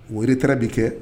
Wari taara de kɛ